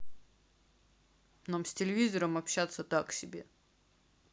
нам с телевизором общаться так себе